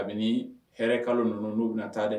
Kabini hɛrɛ kalo ninnu n' bɛna na taa dɛ